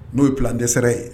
N'o ye pla de